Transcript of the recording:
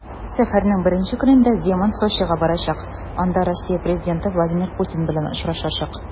Сәфәренең беренче көнендә Земан Сочига барачак, анда Россия президенты Владимир Путин белән очрашачак.